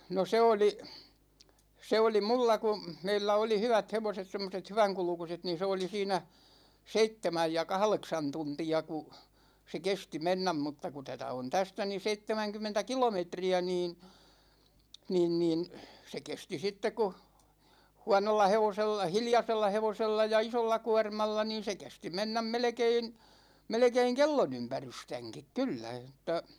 no se oli se oli minulla kun meillä oli hyvät hevoset semmoiset hyvänkulkuiset niin se oli siinä seitsemän ja kahdeksan tuntia kun se kesti mennä mutta kun tätä on tästä niin seitsemänkymmentä kilometriä niin niin niin se kesti sitten kun huonolla hevosella hiljaisella hevosella ja isolla kuormalla niin se kesti mennä melkein melkein kellonympärystänkin kyllä jotta